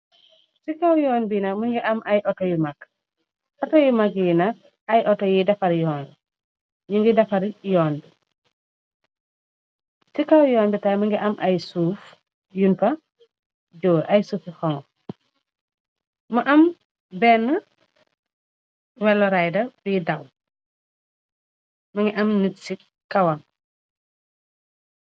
Ci kaw yoon bina mi ngi am ay auto yu mag ato yu mag yi na ao y defar yooawybn aasuuf yunpa jóor ay suufi xong mu am benn welorider bi daw më ngi am nit ci kawam.